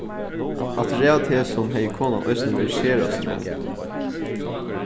afturat hesum hevði konan eisini verið sera strongd